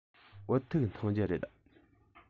བོད ཐུག འཐུང རྒྱུ རེད